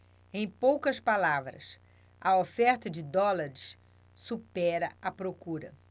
em poucas palavras a oferta de dólares supera a procura